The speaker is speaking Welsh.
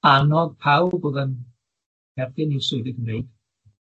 a anog pawb o'dd yn erbyn